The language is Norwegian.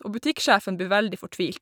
Og butikksjefen blir veldig fortvilt.